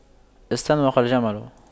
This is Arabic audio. استنوق الجمل